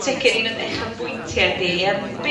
tic i'r un o dy uchafbwyntie, yym, be'...